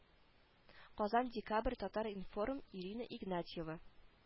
-- казан декабрь татар-информ ирина игнатьева